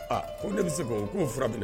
Aa ko ne bɛ se ko'o fura